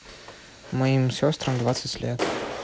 моим сестрам двадцать лет